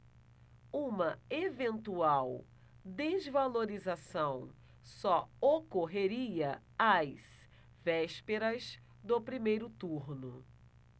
uma eventual desvalorização só ocorreria às vésperas do primeiro turno